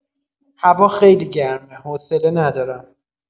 هوا خیلی گرمه حوصله ندارم